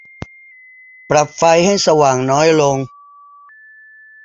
ปรับไฟให้สว่างน้อยลง